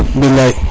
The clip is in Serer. bilay